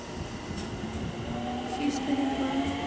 хистори два